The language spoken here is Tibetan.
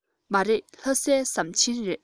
མ རེད ལྷ སའི ཟམ ཆེན རེད